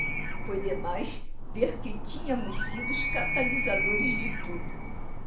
foi demais ver que tínhamos sido os catalisadores de tudo